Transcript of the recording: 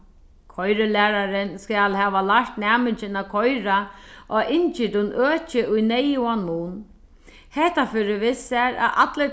koyrilærarin skal hava lært næmingin at koyra á inngirdum øki í neyðugan mun hetta førir við sær at allir